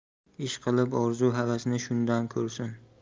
ishqilib orzu havasini shundan ko'rsin